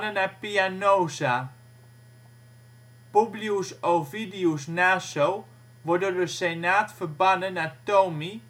naar Pianosa. Publius Ovidius Naso wordt door de Senaat verbannen naar Tomi